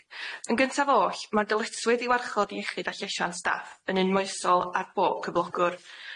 Yn gyntaf oll ma'r dyletswydd i warchod iechyd a llesiant staff yn un moesol ar bob cyflogwr.